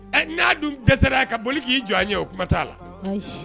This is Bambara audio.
Ɛ n'a dun dɛsɛ ka boli k'i jɔ a ɲɛ o kuma t'a la!